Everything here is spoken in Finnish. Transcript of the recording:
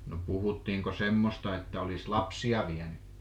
no puhuttiinko semmoista että olisi lapsia vienyt